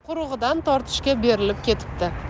qurug'idan tortishga berilib ketibdi